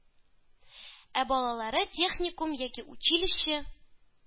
Ә балалары техникум яки училище